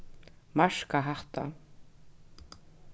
marka hatta